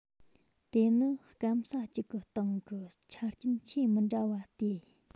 དེ ནི སྐམ ས གཅིག གི སྟེང གི ཆ རྐྱེན ཆེས མི འདྲ བ སྟེ